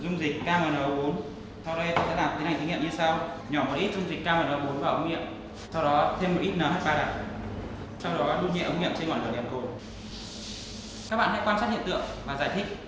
dung dịch ca mờ nờ ô bốn sau đây tôi sẽ làm tiến hành thí nghiệm như sau nhỏ một ít dung dịch ca mờ nờ ô bốn vào ống nghiệm sau đó thêm một ít nờ hắt ba đặc sau đó đun cái ống nghiệm trên ngọn lửa đèn cồn các bạn hãy quan sát hiện tượng và giải thích